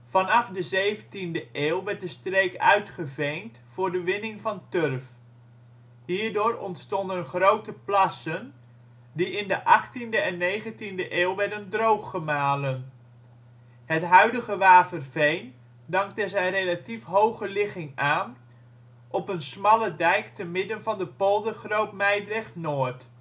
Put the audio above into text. de zeventiende eeuw werd de streek uitgeveend voor de winning van turf. Hierdoor ontstonden grote plassen, die in de achttiende en negentiende eeuw werden drooggemalen. Het huidige Waverveen dankt er zijn relatief hoge ligging aan, op een smalle dijk te midden van de Polder Groot-Mijdrecht-Noord